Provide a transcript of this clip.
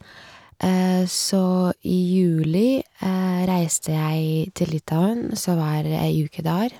Så i juli reiste jeg til Litauen, så var ei uke der.